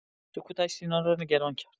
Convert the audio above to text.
سکوتش سینا را نگران کرد.